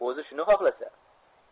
o'zi shuni xohlasa